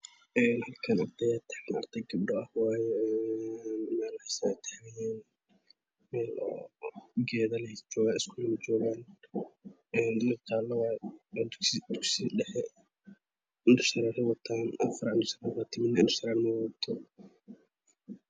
Halkaan ardeyaa tagan ardey gabdha ah meel wxii tagan yihiin geeda keh waxey jigaan iskuul mid jaala wayee dugsi dhaxe afarpaa indha shareera wata midna indha shareer mawadato